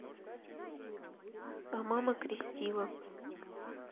а мама крестила